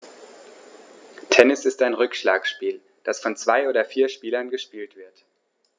Tennis ist ein Rückschlagspiel, das von zwei oder vier Spielern gespielt wird.